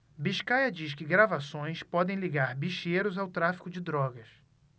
biscaia diz que gravações podem ligar bicheiros ao tráfico de drogas